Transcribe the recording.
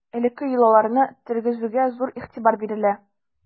Элекке йолаларны тергезүгә зур игътибар бирелә.